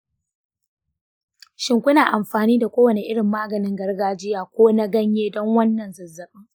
shin kuna amfani da kowane irin maganin gargajiya ko na ganyaye don wannan zazzabin?